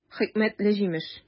Хикмәтле җимеш!